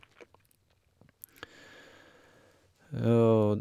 Og...